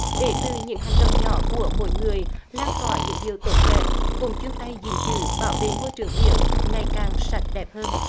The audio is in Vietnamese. để từ những hành động nhỏ của mỗi người lan tỏa những điều tốt đẹp cùng chung tay gìn giữ bảo vệ môi trường biển ngày càng sạch đẹp hơn